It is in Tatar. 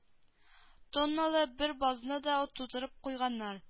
Тонналы бер базны да тутырып куйганнар